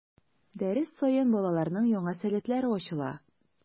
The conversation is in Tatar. Дәрес саен балаларның яңа сәләтләре ачыла.